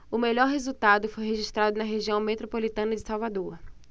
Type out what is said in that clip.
o melhor resultado foi registrado na região metropolitana de salvador